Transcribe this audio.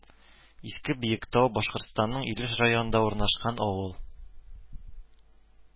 Иске Биектау Башкортстанның Илеш районында урнашкан авыл